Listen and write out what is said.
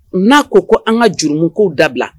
N'a ko ko an ka jurumw dabila